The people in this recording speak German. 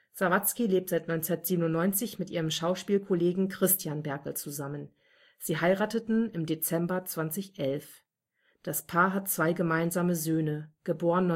Sawatzki lebt seit 1997 mit ihrem Schauspielkollegen Christian Berkel zusammen, sie heirateten im Dezember 2011. Das Paar hat zwei gemeinsame Söhne (* 1999